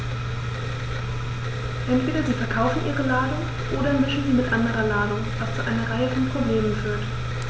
Entweder sie verkaufen ihre Ladung oder mischen sie mit anderer Ladung, was zu einer Reihe von Problemen führt.